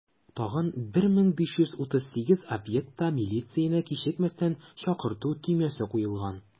Тагын 1538 объектта милицияне кичекмәстән чакырту төймәсе куелган.